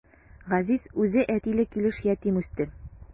Газиз үзе әтиле килеш ятим үсте.